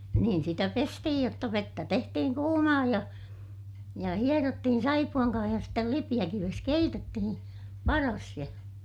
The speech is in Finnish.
niin sitä pestiin jotta vettä tehtiin kuumaa ja ja hierottiin saippuan kanssa ja sitten lipeäkivessä keitettiin padassa ja